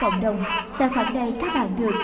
tài khoản này các bạn được